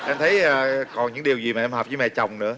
em thấy còn những điều gì mà em hợp với mẹ chồng nữa